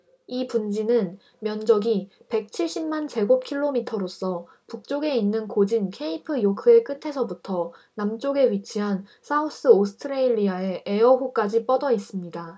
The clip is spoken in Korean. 이 분지는 면적이 백 칠십 만 제곱 킬로미터로서 북쪽에 있는 곶인 케이프요크의 끝에서부터 남쪽에 위치한 사우스오스트레일리아의 에어 호까지 뻗어 있습니다